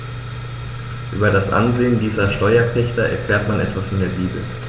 Über das Ansehen dieser Steuerpächter erfährt man etwa in der Bibel.